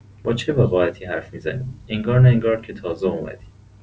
با چه وقاحتی حرف می‌زنی، انگار نه انگار که تازه اومدی!